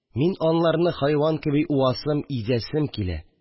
Мин анларны хайван кеби уасым, изәсем килә